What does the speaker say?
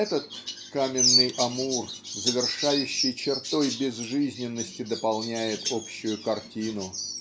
Этот "каменный Амур" завершающей чертой безжизненности дополняет общую картину.